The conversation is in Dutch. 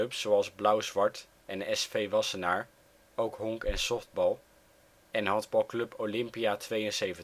zoals Blauw-Zwart en SV Wassenaar (ook honk - en softbal) en handbalclub Olympia ' 72.